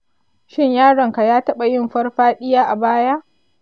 shin yaronka ya taba yin farfadiya a baya?